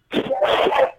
San